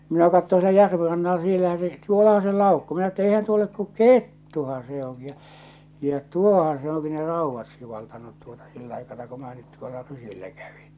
minä katsoin siellä järven rannalla siellähän se tuollahan se laukkoi minä että eihän tuo ole kun kettuhan se onkin ja ja tuohan se onkin ne raudat sivaltanut tuota sillä aikana kun minä nyt tuolla rysillä kävin